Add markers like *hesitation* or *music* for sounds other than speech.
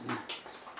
*hesitation* *noise*